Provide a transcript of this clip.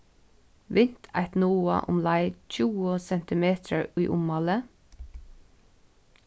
vint eitt noða umleið tjúgu sentimetrar í ummáli